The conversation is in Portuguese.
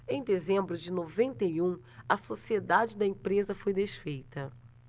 em dezembro de noventa e um a sociedade da empresa foi desfeita